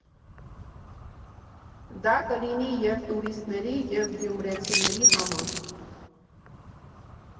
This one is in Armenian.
Դա կլինի և՛ տուրիստների, և՛ գյումրեցիների համար։